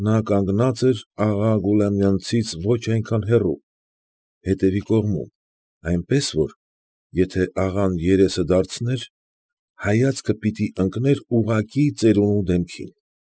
Նա կանգնած էր աղա Գուլամյանցից ոչ այնքան հեռու, հետևի կողմում, այնպես որ, եթե աղան երեսը հետ դարձներ, հայացքը պիտի ընկներ ուղղակի ծերունու դեմքին։